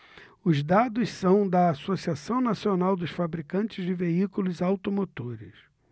os dados são da anfavea associação nacional dos fabricantes de veículos automotores